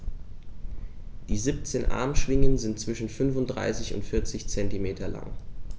Die 17 Armschwingen sind zwischen 35 und 40 cm lang.